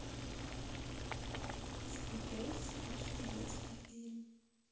смотреть страшный детский фильм